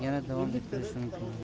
yana davom ettirish mumkin